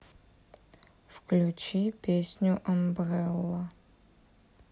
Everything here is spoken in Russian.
включи песню амбрелла